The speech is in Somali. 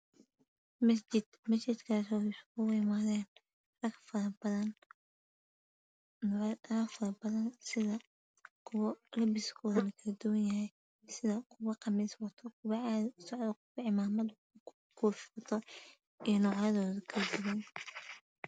Masjid dad faro badan kuwo qamiis wataan jameecada wataa qamiis